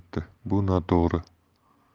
kelyapti bu noto'g'ri